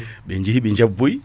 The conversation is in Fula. ɓe jeehi ɓe jabboyi